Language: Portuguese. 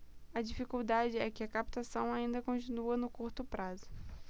a dificuldade é que a captação ainda continua no curto prazo